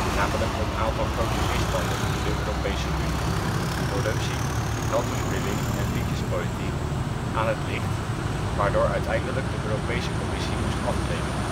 namelijk een aantal grote misstanden in de Europese Unie - corruptie, geldverspilling, vriendjespolitiek - aan het licht, waardoor uiteindelijk de Europese Commissie moest aftreden